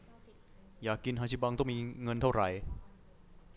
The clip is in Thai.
อยากกินฮาจิบังต้องมีเงินเท่าไร